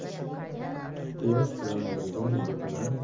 quyosh bilan birga butalar